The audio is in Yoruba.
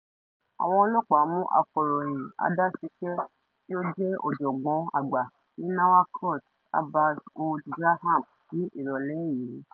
Àwọn ọlọ́pàá mú akọ̀ròyìn adáṣiṣẹ́ tí ó jẹ́ Ọ̀jọ̀gbọ́n-àgbà ní Nouakchott, Abbass Ould Braham ní ìrọ̀lẹ́ yìí.